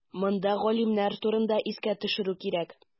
Монда галимнәр турында искә төшерү кирәк.